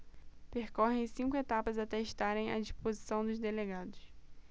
percorrem cinco etapas até estarem à disposição dos delegados